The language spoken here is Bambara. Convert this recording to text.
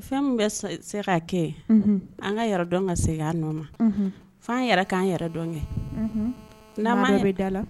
Fɛn min bɛ se ka kɛ unhun, an ka yɛrɛ dɔn ka segin a nɔ la, unhun ,fɔ an yɛrɛ k'an yɛrɛ dɔn de, k'an yɛrɛ don da la, n'an ye an yɛrɛ dɔn